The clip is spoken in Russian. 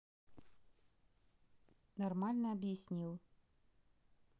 нормально объяснил